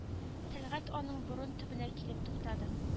Тәлгат аның борын төбенә килеп туктады